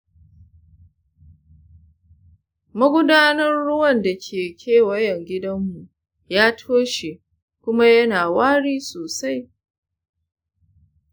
magudanar ruwan da ke kewayen gidanmu ya toshe kuma yana wari sosai.